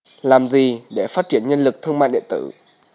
làm gì để phát triển nhân lực thương mại điện tử